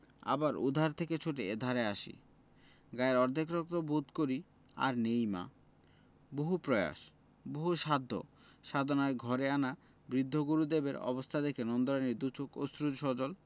আবার ওধার থেকে ছুটে এধারে আসি গায়ের অর্ধেক রক্ত বোধ করি আর নেই মা বহু প্রয়াস বহু সাধ্য সাধনায় ঘরে আনা বৃদ্ধ গুরুদেবের অবস্থা দেখে নন্দরানীর দু'চোখ অশ্রু সজল